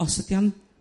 Os ydy o'm